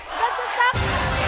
rất xuất sắc